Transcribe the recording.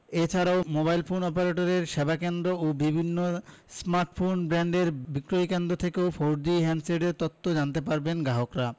এ ছাড়াও mobile phone অপারেটরের সেবাকেন্দ্র ও বিভিন্ন স্মার্টফোন ব্র্যান্ডের বিক্রয়কেন্দ্র থেকেও ফোরজি হ্যান্ডসেটের তথ্য জানতে পারবেন গ্রাহকরা